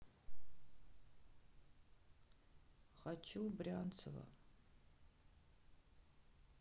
хочу брянцева